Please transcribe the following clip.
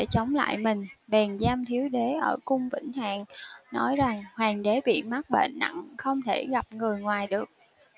chống lại mình bèn giam thiếu đế ở cung vĩnh hạng nói rằng hoàng đế bị mắc bệnh nặng không thể gặp người ngoài được